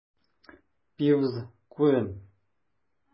Пивз, күрен!